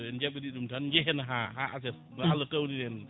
sen jaɓiri ɗum tan jeehen ha ha aset ma Allah tawnu en